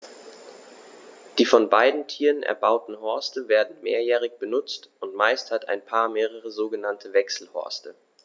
Die von beiden Tieren erbauten Horste werden mehrjährig benutzt, und meist hat ein Paar mehrere sogenannte Wechselhorste.